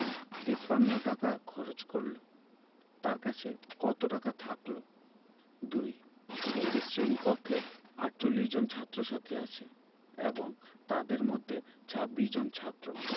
৫৩ টাকা খরচ করল তার কাছে কত টাকা থাকল ২ একটি শ্রেণি কক্ষে ৪৮ জন ছাত্ৰ-ছাত্ৰী আছে এবং এদের মধ্যে ২৬ জন ছাত্র